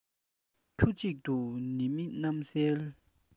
ཁྱུ གཅིག ཏུ ནི མི གནས སམ